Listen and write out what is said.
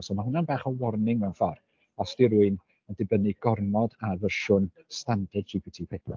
so mae hwnna'n bach o warning mewn ffordd os 'di rywun yn dibynnu gormod ar fersiwn standard GPT pedwar